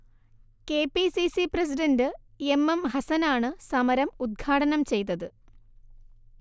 K P C C president M M ഹസനാണ് സമരം ഉദ്ഘാടനം ചെയ്തത്